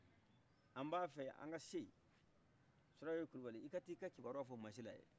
an ba f'an ka seye surakajɛkɛ kulubali ika t'ika kibaruya fɔ masilaye